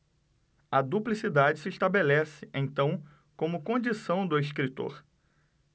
a duplicidade se estabelece então como condição do escritor